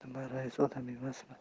nima rais odam emasmi